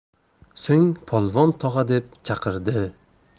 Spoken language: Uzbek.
so'ng polvon tog'a deb chaqirdi